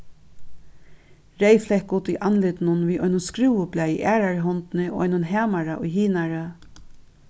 reyðflekkut í andlitinum við einum skrúvublaði í aðrari hondini og einum hamara í hinari